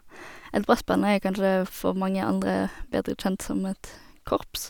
Et brassband er kanskje for mange andre bedre kjent som et korps.